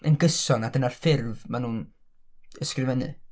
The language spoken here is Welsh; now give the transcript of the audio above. yn gyson a dyna'r ffurf maen nhw'n ysgrifennu.